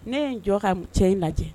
Ne ye n jɔ ka cɛ in lajɛ